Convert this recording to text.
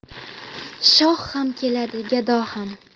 shoh ham keladi gado ham